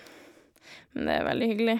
Men det er veldig hyggelig.